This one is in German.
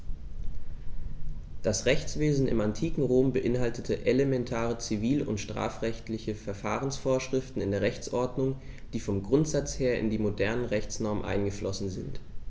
Das Rechtswesen im antiken Rom beinhaltete elementare zivil- und strafrechtliche Verfahrensvorschriften in der Rechtsordnung, die vom Grundsatz her in die modernen Rechtsnormen eingeflossen sind.